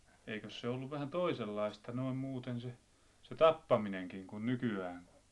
eikös se ollut vähän toisenlaista noin muuten se se tappaminenkin kuin nykyään